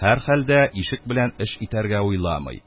Һәрхәлдә ишек белән эш итәргә уйламый;